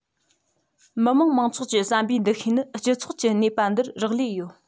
མི དམངས མང ཚོགས ཀྱི བསམ པའི འདུ ཤེས ནི སྤྱི ཚོགས ཀྱི གནས པ འདིར རག ལས ཡོད